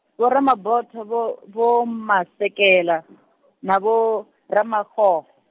Vho Ramabotha Vho, Vho Masekela , na Vho Ramakgokg-.